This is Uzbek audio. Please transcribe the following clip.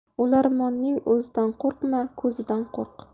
o'larmonning o'zidan qo'rqma ko'zidan qo'rq